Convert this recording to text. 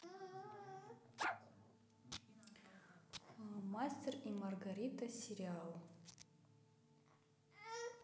мастер и маргарита сериал